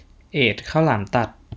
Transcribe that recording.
เอดข้าวหลามตัด